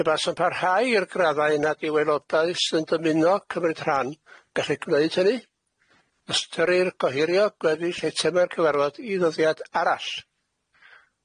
Pe bas y parhau i'r graddau nad yw aelodau sy'n dymuno cymryd rhan gallu gwneud hynny, ystyrir gohirio gweddill eiteme'r cyfarfod i ddyddiad arall.